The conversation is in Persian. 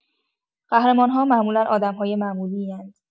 قهرمان‌ها معمولا آدم‌های معمولی‌اند؛